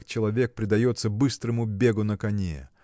как человек предается быстрому бегу на коне.